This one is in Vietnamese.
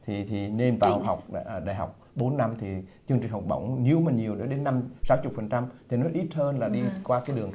thì thì nên vào học đại học bốn năm thì chương trình học bổng dưới nhiều để đến năm sáu chục phần trăm thì nó ít hơn là đi qua cái đường